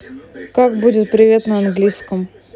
как будет привет на английском